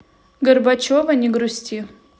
горбачева не грусти